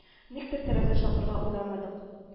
Никтер тәрәзә шакырга уйламадык